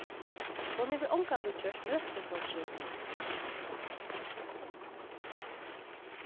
hon hevur ongantíð gjørt nøkrum fortreð